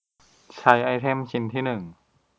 ใช้ไอเทมชิ้นที่หนึ่ง